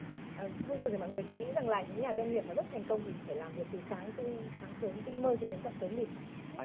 à thông thường thì mọi người sẽ nghĩ rằng là những nhà doanh nghiệp mà rất thành công thì phải làm việc từ sáng tinh sáng sớm tinh mơ cho đến tận tối mịt